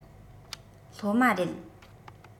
སློབ མ རེད